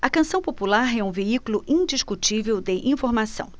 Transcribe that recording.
a canção popular é um veículo indiscutível de informação